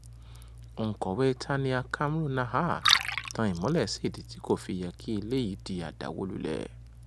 Òǹkọ̀wé Tania Kamrun Nahar tan ìmọ́lẹ̀ sí ìdí tí kò fi yẹ kí ilé yìí di àdàwólulẹ̀: